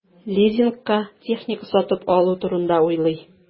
Лизингка техника сатып алу турында уйлый.